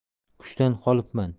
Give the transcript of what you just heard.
kuchdan qolibman